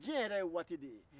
diɲɛ yɛrɛ ye waati de ye